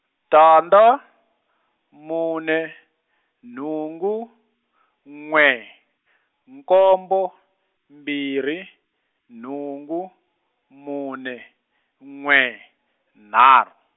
tandza, mune nhungu n'we nkombo mbirhi nhungu mune n'we nharhu.